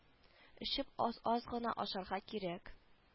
Эчеп аз-аз гына ашарга кирәк